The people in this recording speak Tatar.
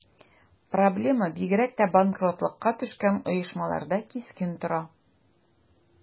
Проблема бигрәк тә банкротлыкка төшкән оешмаларда кискен тора.